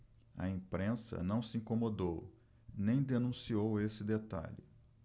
a imprensa não se incomodou nem denunciou esse detalhe